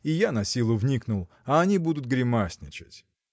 и я насилу вникнул, а они будут гримасничать.